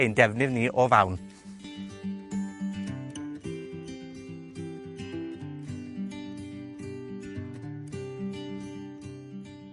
ein defnydd ni o fawn.